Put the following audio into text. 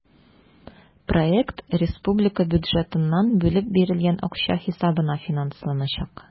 Проект республика бюджетыннан бүлеп бирелгән акча хисабына финансланачак.